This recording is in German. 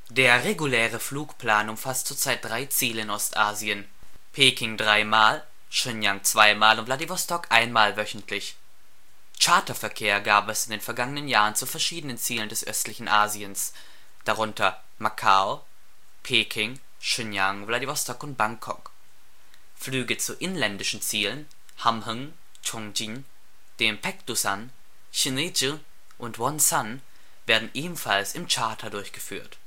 Der reguläre Flugplan umfasst zurzeit drei Ziele in Ostasien: Peking dreimal, Shenyang zweimal und Wladiwostok einmal wöchentlich. Charterverkehr gab es in den vergangenen Jahren zu verschiedenen Zielen des östlichen Asiens, darunter Macau, Peking, Shenyang, Wladiwostok und Bangkok. Flüge zu inländischen Zielen (Hamhung, Chongjin, dem Paektusan, Sinŭiju und Wonsan) werden ebenfalls im Charter durchgeführt